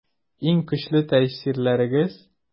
Иң көчле тәэсирләрегез?